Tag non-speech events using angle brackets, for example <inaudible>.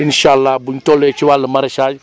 incha allah buñ tollee ci <noise> wàll maraîchage